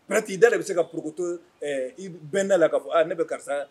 Pɛrɛnti i da de bɛ se ka porokoto ɛ i bɛnna la ka fɔ, a ne bɛ karisa